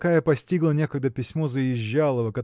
какая постигла некогда письмо Заезжалова